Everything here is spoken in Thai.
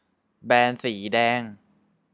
แบนสีแดง